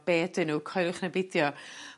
be' ydyn n'w coeliwch ne' beidio.